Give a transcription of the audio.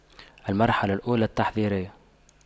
المرحلة الأولى التحضيرية